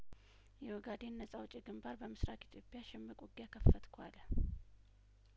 የኦጋዴን ነጻ አውጪ ግምባር በምስራቅ ኢትዮጵያ ሽምቅ ውጊያ ከፈትኩ አለ